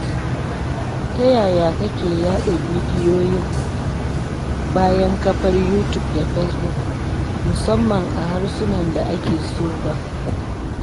Ta yaya kake yaɗa bidiyoyin bayan kafar Youtube da Facebook, musamman ma a harsunan da ake so ba?